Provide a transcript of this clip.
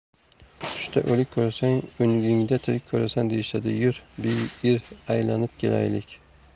tushda o'lik ko'rsang o'ngingda tirik ko'rasan deyishadi yur bi ir aylanib kelaylik